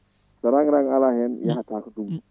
so rang rang ala hen yakotako